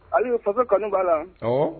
A ye faso kanu' la